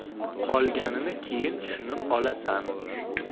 qolganini keyin tushunib olasan